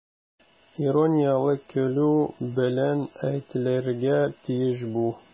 Иронияле көлү белән әйтелергә тиеш бу.